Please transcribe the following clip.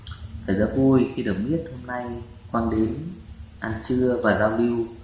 thầy rất vui khi được biết hôm nay quang đến ăn trưa và giao lưu